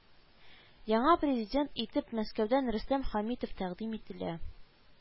Яңа президент итеп Мәскәүдән Рөстәм Хәмитов тәкъдим ителә